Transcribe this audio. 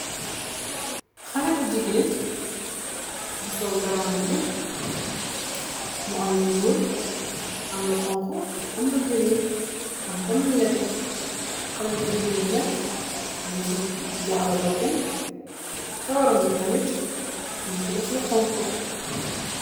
Xale bu jigiin, bu sol gara mbubu mu am lu ñuol, am lu xonxu, am lu girin am tam lu nette. Xale bu jigiin bi nak , mungi sol jaru baken kawaram bi tamit, mungsi def lu xonxu.